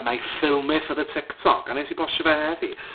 and I film it for the TikTok a wnes i postio fe heddi.